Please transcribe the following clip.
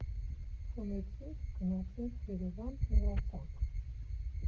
Խմեցինք, գնացինք Երևան, մոռացանք։